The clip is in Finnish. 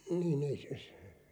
niin ei se -